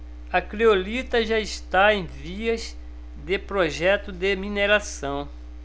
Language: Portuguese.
a criolita já está em vias de projeto de mineração